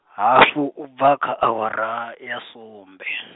hafu ubva kha awara ya, sumbe.